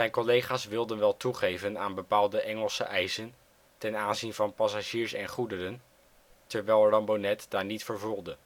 collega 's wilden wel toegeven aan bepaalde Engelse eisen ten aanzien van passagiers en goederen, terwijl Rambonnet daar niet voor voelde